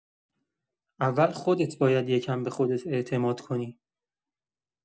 اول خودت باید یکم به خودت اعتماد کنی.